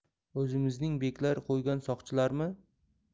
o'zimizning beklar qo'ygan soqchilarmi